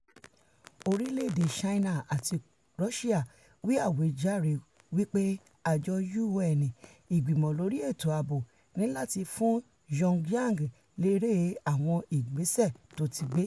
Orílẹ̀-èdè Ṣáínà àti Rọsia wí àwíjàre wí pe àjọ U.N. Ìgbìmọ lórí Ètò Ààbo ní láti fún Pyongyang léré àwọn ìgbésẹ̀ tóti gbé.